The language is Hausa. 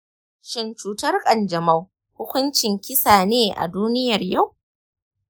shin cutar kanjamau hukuncin kisa ne a duniyar yau?